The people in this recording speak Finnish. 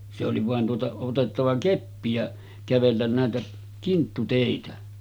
se oli vain tuota otettava keppi ja kävellä näitä kinttuteitä